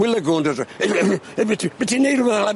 Wil y gwn do' drao- e- e- e- be- ti- be- ti'n neud rwbeth fel 'a am?